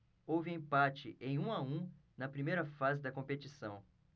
houve empate em um a um na primeira fase da competição